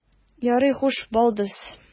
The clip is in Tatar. Ярый, хуш, балдыз.